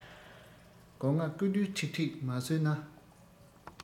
སྒོ ང རྐུ དུས ཁྲིག ཁྲིག མ ཟོས ན